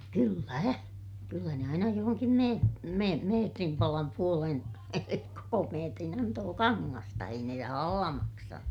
kyllä kyllä ne aina johonkin -- metrin palan puolen koko metrin antoi kangasta ei ne rahalla maksanut